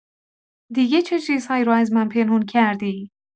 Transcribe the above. دیگه چه چیزهایی رو از من پنهون کردی؟